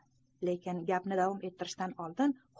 lekin gapni davom ettirishdan oldin